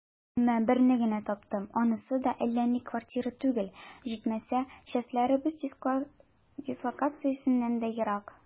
Әмма берне генә таптым, анысы да әллә ни квартира түгел, җитмәсә, частьләребез дислокациясеннән дә ерак.